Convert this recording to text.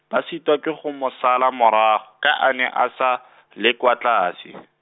ba sitwa ke go mo sala mora, ka a ne a sa , le kwa tlase.